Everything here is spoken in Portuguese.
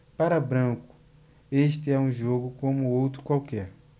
para branco este é um jogo como outro qualquer